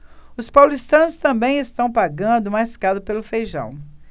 os paulistanos também estão pagando mais caro pelo feijão